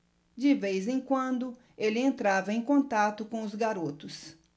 de vez em quando ele entrava em contato com os garotos